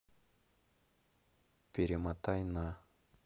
перемотай на